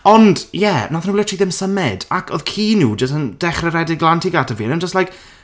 Ond, ie, wnaethon nhw literally ddim symud ac odd ci nhw jyst yn dechrau rhedeg lan tuag ata fi, and I'm just like...